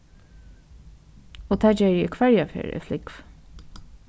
og tað geri eg hvørja ferð eg flúgvi